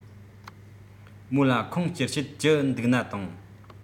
མོ ལ ཁུངས སྐྱེལ བྱེད རྒྱུ འདུག ན དང